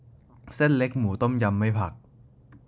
เส้นเล็กหมูต้มยำไม่ผัก